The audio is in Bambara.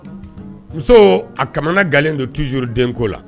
Muso a kanamana nkalon don tzjouru den ko la